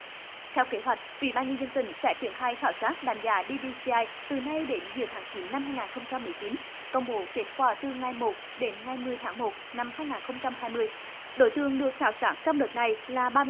theo kế hoạch ủy ban nhân dân tỉnh sẽ triển khai khảo sát đánh giá đi bi si ai từ nay đến giữa tháng chín năm hai nghìn không trăm mười chín công bố kết quả từ ngày một đến ngày mười tháng một năm hai nghìn không trăm hai mươi đối tượng được khảo sát trong đợt này là ba